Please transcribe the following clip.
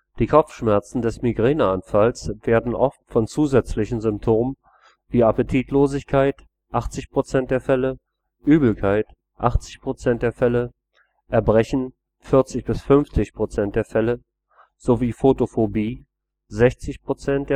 Die Kopfschmerzen des Migräneanfalls werden oft von zusätzlichen Symptomen wie Appetitlosigkeit (> 80 %), Übelkeit (80 %), Erbrechen (40 – 50 %) sowie Photophobie (60 %